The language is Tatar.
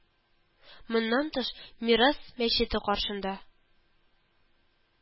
Моннан тыш, Мирас мәчете каршында